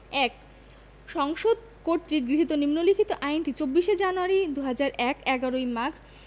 ১. সংসদ কর্তৃক গৃহীত নিম্নলিখিত আইনটি ২৪শে জানুয়ারী ২০০১ ১১ই মাঘ